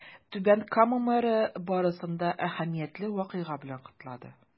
Түбән Кама мэры барысын да әһәмиятле вакыйга белән котлады.